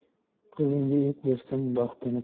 qizingga erk bersang baxtini